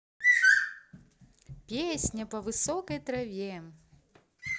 песня по высокой траве